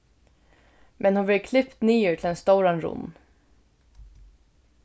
men hon verður klipt niður til ein stóran runn